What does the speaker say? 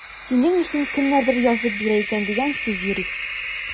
Синең өчен кемнәрдер язып бирә икән дигән сүз йөри.